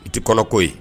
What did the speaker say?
I ti kɔnɔ ko ye.